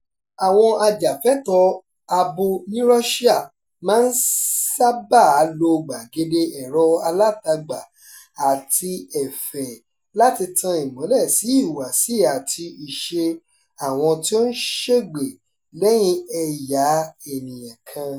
Àwọn ajàfẹ́tọ̀ọ́ abo ní Russia máa ń sábàá lo gbàgede ẹ̀rọ alátagbà àti ẹ̀fẹ̀ láti tan ìmọ́lẹ̀ sí ìhùwàsí àti ìṣe àwọn tí ó ń ṣègbè lẹ́yìn ẹ̀yà ènìyàn kan.